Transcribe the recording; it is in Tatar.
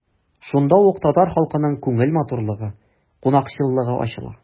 Шунда ук татар халкының күңел матурлыгы, кунакчыллыгы ачыла.